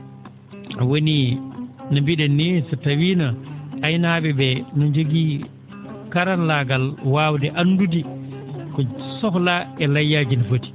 woni no mbii?en nii so tawii no aynaa?e ?e ne njogii karallaagal waawde anndude ko sohlaa e layyaaji no foti